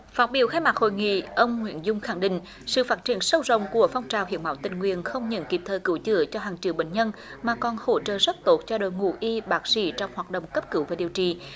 phát biểu khai mạc hội nghị ông nguyễn dung khẳng định sự phát triển sâu rộng của phong trào hiến máu tình nguyện không những kịp thời cứu chữa cho hàng triệu bệnh nhân mà còn hỗ trợ rất tốt cho đội ngũ y bác sĩ trong hoạt động cấp cứu và điều trị